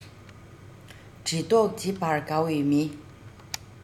འདྲི རྟོགས བྱེད པར དགའ བའི མི